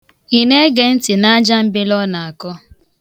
Ị na-ege ntị na ajambele ọ na-akọ?